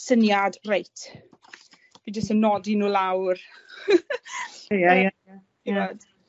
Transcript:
syniad reit, fi jyst yn nodi nw lawr. Ie ie ie ie. Ch'bod?